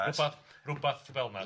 Wbath wbath felna.